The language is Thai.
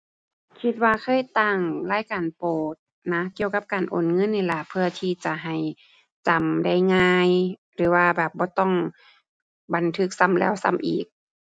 คิดว่าเคยตั้งรายการโปรดนะ เกี่ยวกับการโอนเงินนี่ล่ะ เพื่อที่จะให้จำได้ง่าย หรือว่าแบบบ่ต้องบันทึกซ้ำแล้วซ้ำอีก